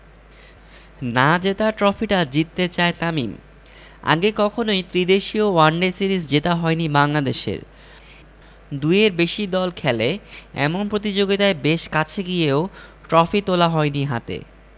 না জেতা ট্রফিটা জিততে চায় তামিম আগে কখনোই ত্রিদেশীয় ওয়ানডে সিরিজ জেতা হয়নি বাংলাদেশের দুইয়ের বেশি দল খেলে এমন প্রতিযোগিতায় বেশ কাছে গিয়েও ট্রফি তোলা হয়নি হাতে